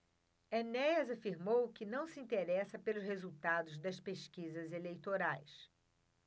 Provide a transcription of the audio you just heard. enéas afirmou que não se interessa pelos resultados das pesquisas eleitorais